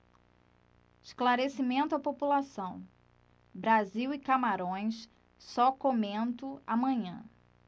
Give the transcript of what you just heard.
esclarecimento à população brasil e camarões só comento amanhã